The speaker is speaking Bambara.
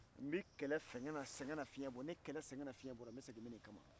n be kɛlɛ fanga sɛgɛn ne fiɲɛ bɔ ni kɛlɛ sɛgɛn bɔra n be segin n bɛna i ka ma